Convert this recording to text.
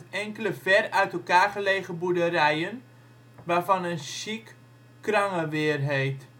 enkele ver uit elkaar gelegen boerderijen, waarvan een chic Crangeweer heet